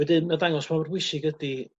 wedyn mae o'n dangos pa mor bwysig ydi